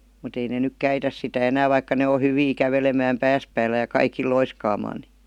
mutta ei ne nyt käytä sitä enää vaikka ne on hyviä kävelemään päänsä päällä ja kaikilla loiskaamaan niin